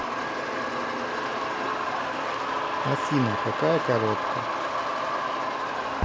афина какая коробка